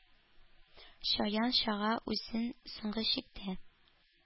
Чаян чага үзен соңгы чиктә,